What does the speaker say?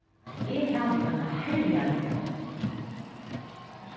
eg havi eina herliga vinkonu